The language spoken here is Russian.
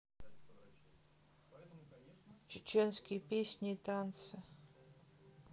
чеченские песни и танцы